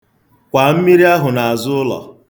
Kwaa mmiri ahụ n'azụụlọ.